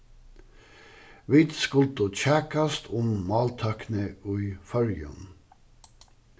vit skuldu kjakast um máltøkni í føroyum